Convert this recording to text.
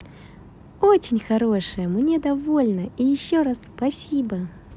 очень хорошее мне довольно и еще раз спасибо